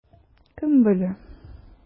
Кем белә?